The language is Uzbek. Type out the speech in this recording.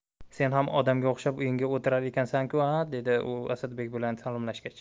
sen ham odamga o'xshab uyingda o'tirar ekansan ku a dedi u asadbek bilan salomlashgach